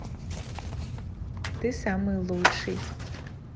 ты самый лучший